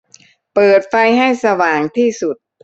เปิดไฟให้สว่างที่สุด